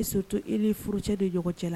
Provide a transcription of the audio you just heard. I so to e ni furucɛ de ɲɔgɔn cɛ la